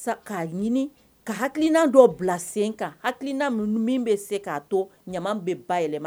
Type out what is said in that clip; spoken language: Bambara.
K'a ɲini ka hakili ninaan dɔ bila sen kan haina minnu min bɛ se k'a to ɲama bɛ ba yɛlɛma